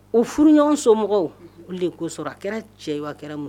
U furu ɲɔgɔn so mɔgɔw o de ko sɔrɔ a kɛra cɛ kɛra muso